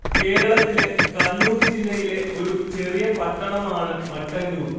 കേരളത്തിലെ കണ്ണൂര്‍ ജില്ലയിലെ ഒരു ചെറിയ പട്ടണമാണ് മട്ടന്നൂര്‍